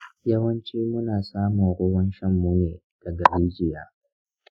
yawanci muna samun ruwan shanmu ne daga rijiya.